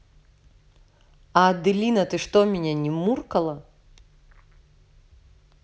а аделина ты что меня на муркала